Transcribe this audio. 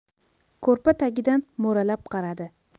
ko'rpa tagidan mo'ralab qaradi